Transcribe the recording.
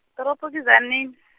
toropo ke Tzaneen .